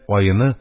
Аены,